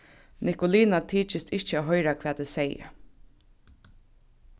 nikolina tykist ikki at hoyra hvat eg segði